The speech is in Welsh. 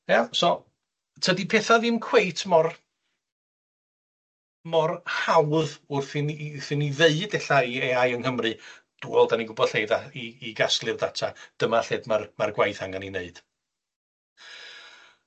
Ia, so, tydi petha ddim cweit mor mor hawdd wrth i ni i- wrth i ni ddeud ella i Ay I yng Nghymru dw- wel 'dan ni'n gwbod lle i dda- i i gasglu'r data, dyma lle ma'r ma'r gwaith angen 'i neud.